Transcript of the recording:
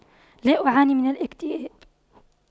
لا أعاني من الاكتئاب